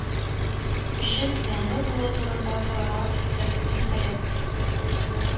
Өчен зыянлы булуы турында таралган фикер, ниһаять